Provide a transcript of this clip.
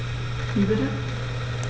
Wie bitte?